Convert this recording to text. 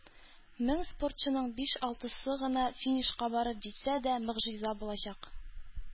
Мең спортчының биш-алтысы гына финишка барып җитсә дә, могҗиза булачак.